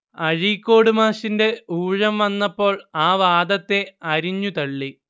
അഴീക്കോട് മാഷിന്റെ ഊഴം വന്നപ്പോൾ ആ വാദത്തെ അരിഞ്ഞുതള്ളി